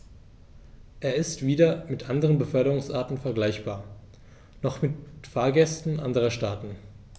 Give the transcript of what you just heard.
Er ist weder mit anderen Beförderungsarten vergleichbar, noch mit Fahrgästen anderer Staaten.